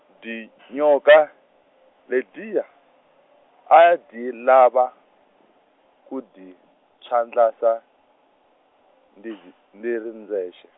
dyinyoka ledyiya a ndzi lava ku d- d- ku ku dyi p- phyandlasa, ndzi ri ndzexe.